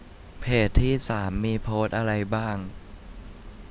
เพจที่สามมีโพสต์อะไรบ้าง